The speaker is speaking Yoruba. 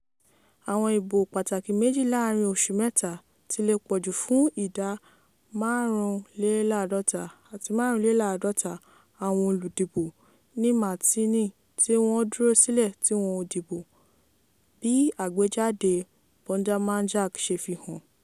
Àwọn ìbò pàtàkì méjì láàárìn oṣù mẹ́ta ti lè pọ̀ jù fún ìda 55.55% àwọn oludìbò ní Martini tí wọ́n dúró sílé tí wọn ò dìbò, bí àgbéjáde Bondamanjak ṣe fi hàn.